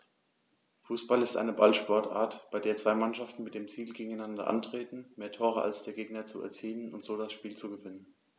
Fußball ist eine Ballsportart, bei der zwei Mannschaften mit dem Ziel gegeneinander antreten, mehr Tore als der Gegner zu erzielen und so das Spiel zu gewinnen.